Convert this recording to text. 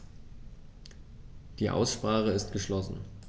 Die Aussprache ist geschlossen.